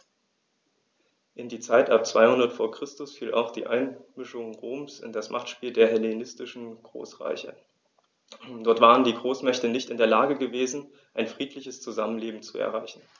In die Zeit ab 200 v. Chr. fiel auch die Einmischung Roms in das Machtspiel der hellenistischen Großreiche: Dort waren die Großmächte nicht in der Lage gewesen, ein friedliches Zusammenleben zu erreichen.